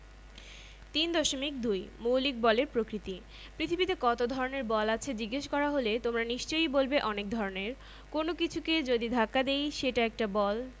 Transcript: কিংবা চলতে চলতে ঘর্ষণের জন্য চলন্ত বস্তুর থেমে যাওয়া আবার তোমরা লক্ষ করেছ কোনো কোনো বল প্রয়োগের জন্য স্পর্শ করতে হয় না কোনো কিছু ছেড়ে দিলে মাধ্যাকর্ষণ বলের জন্য নিচে পড়া চুম্বকের আকর্ষণ